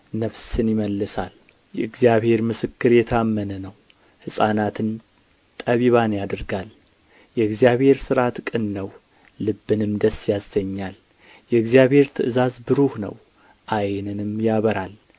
ነፍስን ይመልሳል የእግዚአብሔር ምስክር የታመነ ነው ሕፃናትን ጠቢባን ያደርጋል የእግዚአብሔር ሥርዓት ቅን ነው ልብንም ደስ ያሰኛል የእግዚአብሔር ትእዛዝ ብሩህ ነው ዓይንንም ያበራል